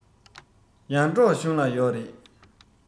ཡར འབྲོག གཞུང ལ ཡོག རེད